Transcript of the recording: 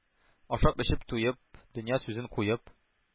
Ашап-эчеп туеп, дөнья сүзен куеп,